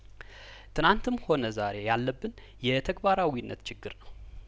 ትናንትም ሆነ ዛሬ ያለብን የተግባራዊነት ችግር ነው